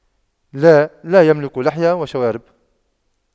لا لا يملك لحية وشوارب